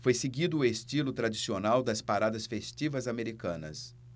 foi seguido o estilo tradicional das paradas festivas americanas